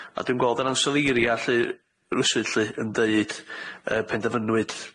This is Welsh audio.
a dwi'n gweld yr ansoddeiria lly rwsud lly yn deud y penderfynwyd